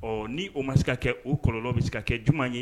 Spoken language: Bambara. Ɔ ni o ma se ka kɛ o kɔlɔ bɛ se ka kɛ j ye